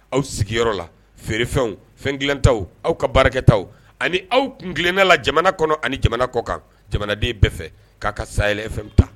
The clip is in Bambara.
Aw sigiyɔrɔ la feerefɛnw fɛn ta aw ka baarakɛ ta ani aw kun-na la jamana kɔnɔ ani jamana kɔ kan jamanaden bɛɛ fɛ k'a ka sayay fɛn ta